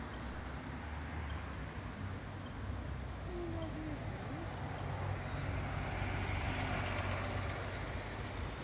ненавижу миша марвин